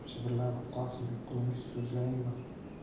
qosimbek qulingiz so'zlayinmi